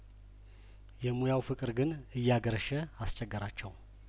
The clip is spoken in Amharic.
የሙያው ፍቅር ግን እያገረሸ አስቸገራቸው